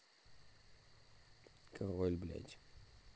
король блядь